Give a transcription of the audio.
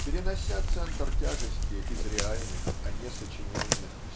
Перенося центр тяжести из реальных а не сочиненных